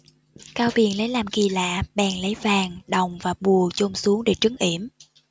cao biền lấy làm kỳ lạ bèn lấy vàng đồng và bùa chôn xuống để trấn yểm